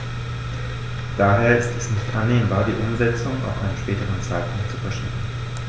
Daher ist es nicht annehmbar, die Umsetzung auf einen späteren Zeitpunkt zu verschieben.